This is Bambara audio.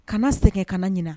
Kana sɛgɛn kana ɲin